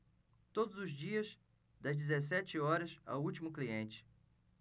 todos os dias das dezessete horas ao último cliente